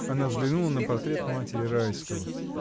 Она взглянула на портрет матери Райского.